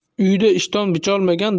uyida ishton bicholmagan